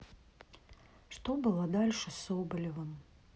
что было дальше с соболевым